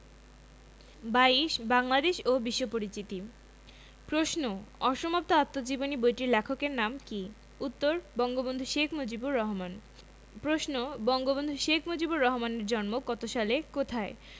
২২ বাংলাদেশ ও বিশ্ব পরিচিতি প্রশ্ন অসমাপ্ত আত্মজীবনী বইটির লেখকের নাম কী উত্তর বঙ্গবন্ধু শেখ মুজিবুর রহমান প্রশ্ন বঙ্গবন্ধু শেখ মুজিবুর রহমানের জন্ম কত সালে কোথায়